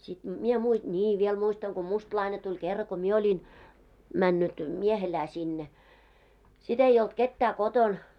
sitten minä - niin vielä muistan kun mustalainen tuli kerran kun minä olin mennyt miehelään sinne sitten ei ollut ketään kotona